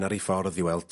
...ar ei ffordd i weld...